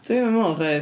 Dwi'm yn meddwl chwaith.